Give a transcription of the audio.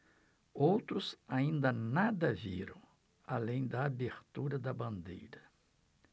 outros ainda nada viram além da abertura da bandeira